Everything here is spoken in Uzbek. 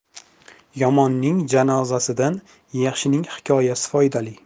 yomonning janozasidan yaxshining hikoyasi foydali